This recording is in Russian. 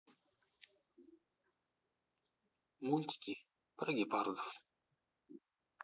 мультики про гепардов